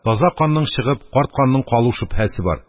Таза канның чыгып, карт канның калу шөбһәсе бар.